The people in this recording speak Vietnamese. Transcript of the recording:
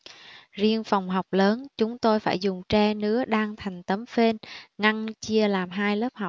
riêng phòng học lớn chúng tôi phải dùng tre nứa đan thành tấm phên ngăn chia làm hai lớp học